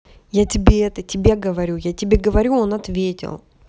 я тебе это тебе говорю я тебе говорю он ответил